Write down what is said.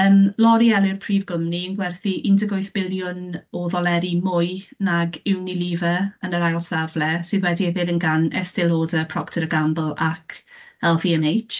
Yym L'Oreal yw'r prif gwmni werth i un deg wyth biliwn o ddoleri mwy nag Unilever yn yr ail safle, sydd wedi ei ddilyn gan Estee Lauder, Procter & Gamble ac LVMH.